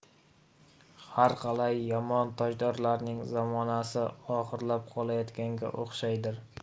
har qalay yomon tojdorlarning zamonasi oxirlab qolayotganga o'xshaydir